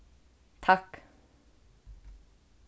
takk